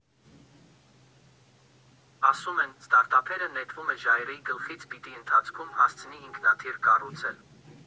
Ասում են՝ ստարտափերը նետվում է ժայռի գլխից և պիտի ընթացքում հասցնի ինքնաթիռ կառուցել։